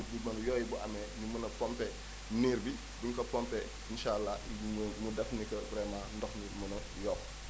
pour di mën yooyu bu amee ñu mën a pompé niir bi su ñu ko pompé incha allah ñu mën ñu def ni que vraiment ndox mi mën a yokku